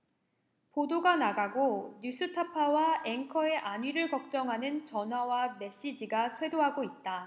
보도가 나가고 뉴스타파 와 앵커의 안위를 걱정하는 전화와 메시지가 쇄도하고 있다